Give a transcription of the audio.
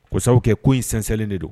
Ko sabu kɛ ko in sɛnsɛnlen de don